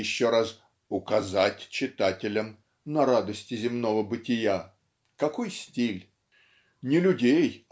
еще раз указать читателям на радости земного бытия -- какой стиль!. Не людей